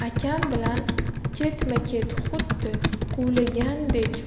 akam bilan ketma ket xuddi quvlagandek